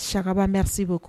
Sakaba mariri bɛ